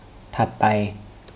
ถัดไป